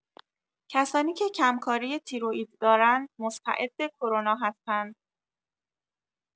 کسانی که کم‌کاری تیروئید دارند، مستعد کرونا هستند.